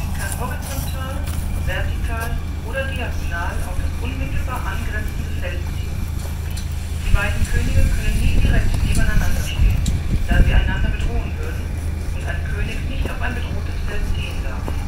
kann horizontal, vertikal oder diagonal auf das unmittelbar angrenzende Feld ziehen. Die beiden Könige können nie direkt nebeneinander stehen, da sie einander bedrohen würden und ein König nicht auf ein bedrohtes Feld ziehen darf